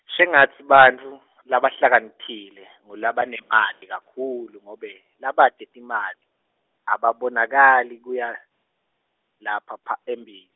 shengatsi bantfu, labahlakaniphile, ngulabanemali kakhulu ngobe, labate timali, ababonakali kuya, lapha pha, embili.